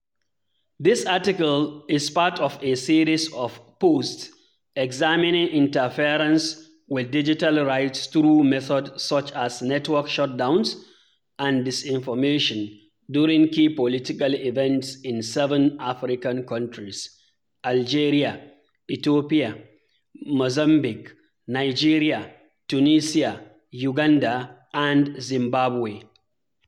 This article is part of a series of posts examining interference with digital rights through methods such as network shutdowns and disinformation during key political events in seven African countries: Algeria, Ethiopia, Mozambique, Nigeria, Tunisia, Uganda, and Zimbabwe.